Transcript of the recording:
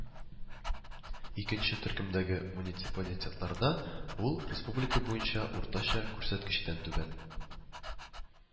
Икенче төркемдәге муниципалитетларда ул республика буенча уртача күрсәткечтән түбән